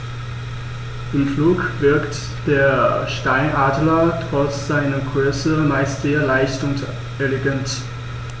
Im Flug wirkt der Steinadler trotz seiner Größe meist sehr leicht und elegant.